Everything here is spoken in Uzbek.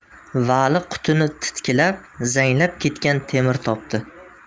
vali qutini titkilab zanglab ketgan temir topdi